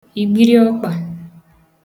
ìgbiriọkpà